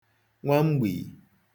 nwamgbìì